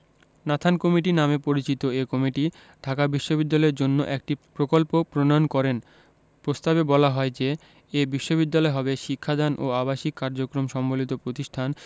Nathan committee নামে পরিচিত এ কমিটি ঢাকা বিশ্ববিদ্যালয়ের জন্য একটি প্রকল্প প্রণয়ন করেন প্রস্তাবে বলা হয় যে এ বিশ্ববিদ্যালয় হবে শিক্ষাদান ও আবাসিক কার্যক্রম সম্বলিত প্রতিষ্ঠান